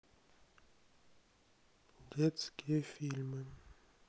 детские фильмы